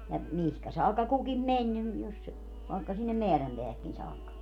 ja mihin saakka kukin meni niin jos - vaikka sinne määränpäähänkin saakka